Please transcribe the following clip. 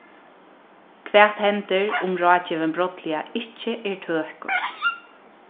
hvat hendir um ráðgevin brádliga ikki er tøkur